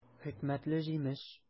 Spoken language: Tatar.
Хикмәтле җимеш!